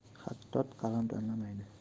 xattot qalam tanlamaydi